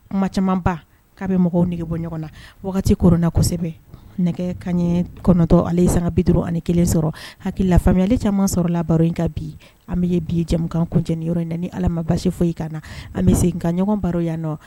Kuma camanba k'a bɛ mɔgɔw negebɔ ɲɔgɔn na wagati koronna kosɛbɛ nɛgɛ kaɲɛɛ t 9 ale ye sanga 51 sɔrɔ hakili la faamuyali caman sɔrɔ la baro in ka bi an bi ye bi ye jamukan kuncɛ nin yɔrɔ in na ni Ala ma basi foyi k'an na an bɛ segin ka ɲɔgɔn baro yan nɔɔ